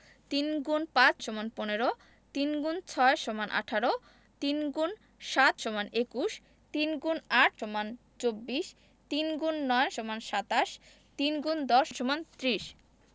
৩ X ৫ = ১৫ ৩ x ৬ = ১৮ ৩ × ৭ = ২১ ৩ X ৮ = ২৪ ৩ X ৯ = ২৭ ৩ ×১০ = ৩০